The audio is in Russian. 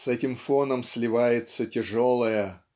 С этим фоном сливается тяжелая